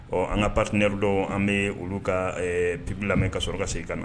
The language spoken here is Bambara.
Ɔ an ŋa partenaire dɔw an bee olu ka ee PUB lamɛ ka sɔrɔ ka segin kana